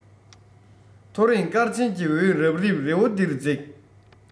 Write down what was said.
ཐོ རངས སྐར ཆེན གྱི འོད རབ རིབ རི བོ འདིར འཛེགས